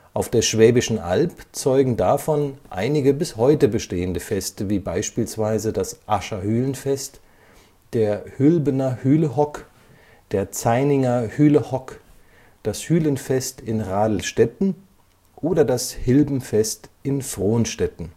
Auf der Schwäbischen Alb zeugen davon einige bis heute bestehende Feste wie beispielsweise das Ascher Hülenfest, der Hülbener Hüle-Hock, der Zaininger Hüle-Hock, das Hülenfest in Radelstetten oder das Hilbenfest in Frohnstetten